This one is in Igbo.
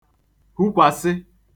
hukwàsị